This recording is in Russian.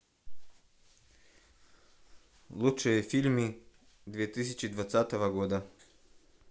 лучшие фильмы две тысячи двадцатого года